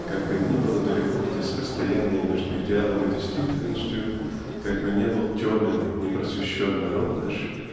Как бы ни было далеко здесь расстояние между идеалом и действительностью как бы ни был темен непросвещен народ наш